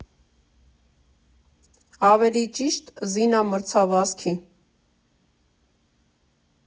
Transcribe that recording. Ավելի ճիշտ՝ զինամրցավազքի։